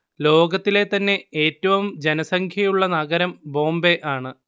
ലോകത്തിലെ തന്നെ ഏറ്റവും ജനസംഖ്യ ഉള്ള നഗരം ബോംബെ ആണ്